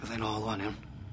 Fyddai nôl ŵan iawn?